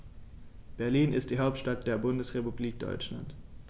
Berlin ist die Hauptstadt der Bundesrepublik Deutschland.